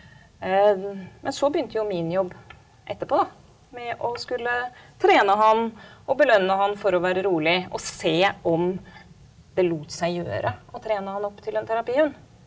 men så begynte jo min jobb etterpå da med å skulle trene han og belønne han for å være rolig og se om det lot seg gjøre å trene han opp til en terapihund.